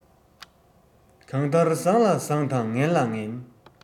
གང ལྟར བཟང ལ བཟང དང ངན ལ ངན